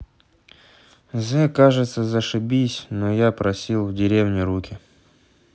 the кажется зашибись но я просил в деревне руки